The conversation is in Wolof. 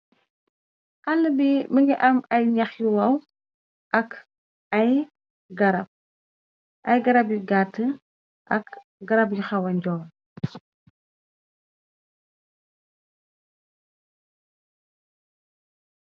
Aalah bii mungy am aiiy njahh yu wow ak aiiy garab, aiiy garab yu gatue ak garab yu hawah njol.